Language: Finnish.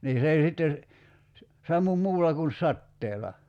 niin se ei sitten sammu muulla kun sateella